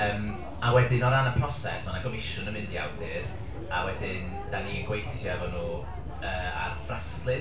Yym a wedyn o ran y proses, ma' 'na gomisiwn yn mynd i awdur, a wedyn dan ni'n gweithio efo nhw, yy ar fraslun...